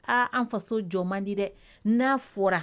Aa an faso jɔ man di dɛ, n'a fɔra